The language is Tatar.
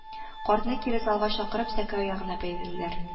Картны кире залга чыгарып сәке аягына бәйләделәр